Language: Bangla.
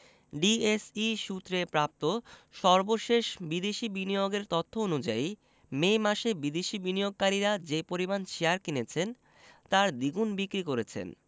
ডিএসই সূত্রে প্রাপ্ত সর্বশেষ বিদেশি বিনিয়োগের তথ্য অনুযায়ী মে মাসে বিদেশি বিনিয়োগকারীরা যে পরিমাণ শেয়ার কিনেছেন তার দ্বিগুণ বিক্রি করেছেন